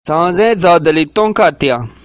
ད དུང ཞིང སྦུག གི ཁམ སྡོང